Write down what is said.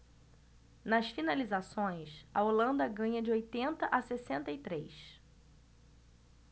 nas finalizações a holanda ganha de oitenta a sessenta e três